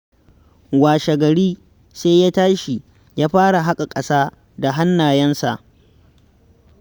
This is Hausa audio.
Washe-gari sai ya tashi ya fara haƙa ƙasa da hannayensa.